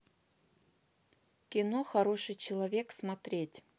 кино хороший человек смотреть